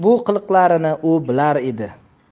u bilar edi